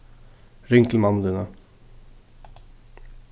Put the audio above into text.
ring til mammu tína